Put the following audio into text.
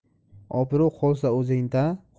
obro' qolsa o'zingda